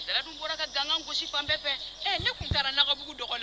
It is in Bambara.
Jara dun bɔra ganga gosisi fan bɛɛ fɛ ne tun taara nɔgɔbugu dɔgɔ